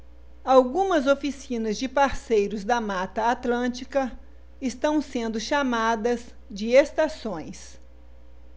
algumas oficinas de parceiros da mata atlântica estão sendo chamadas de estações